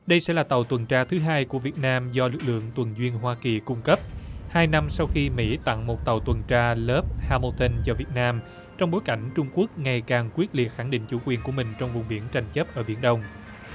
đây sẽ là tàu tuần tra thứ hai của việt nam do lực lượng tuần duyên hoa kỳ cung cấp hai năm sau khi mỹ tặng một tàu tuần tra lớp ha mô tưn cho việt nam trong bối cảnh trung quốc ngày càng quyết liệt khẳng định chủ quyền của mình trong vùng biển tranh chấp ở biển đông